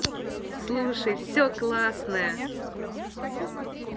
слушай все классное